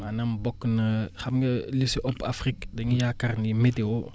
maanaam bokk na xam nga li si ëpp Afrique dañu yaakaar ni météo